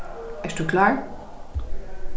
ert tú klár